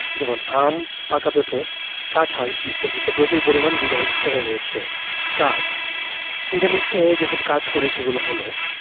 যেমন আম পাকা পেঁপে কাঁঠাল ইত্যাদিতে প্রচুর পরিমানে ভিটামিন এ রয়েছে কাজ ভিটামিন এ যেসব কাজ করে সেগুলো হলো